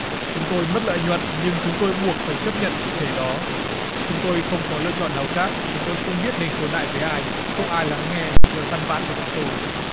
chúng tôi mất lợi nhuận nhưng chúng tôi buộc phải chấp nhận sự thể đó chúng tôi không có lựa chọn nào khác chúng tôi không biết nên khiếu nại với ai không ai lắng nghe lời than vãn của chúng tôi